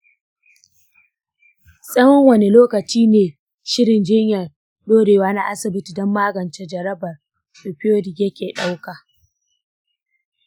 tsawon wani lokaci ne shirin jiyyar dorewa na asibiti don magance jarabar opioids yake ɗauka?